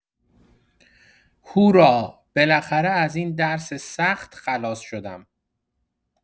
هورا بالاخره از این درس سخت خلاص شدم!